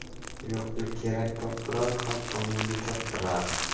yo'qni kerak toptirar har tomonga choptirar